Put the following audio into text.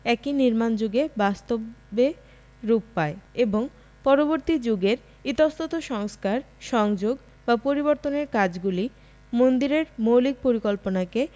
একই নির্মাণযুগে বাস্তবে রূপ পায় এবং পরবর্তী যুগের ইতস্তত সংস্কার সংযোগ বা পরিবর্তনের কাজগুলি মন্দিরের মৌলিক পরিকল্পনাকে